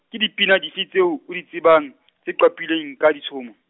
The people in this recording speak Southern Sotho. ke dipina dife tseo, o di tsebang, tse qapilweng, ka ditshomo?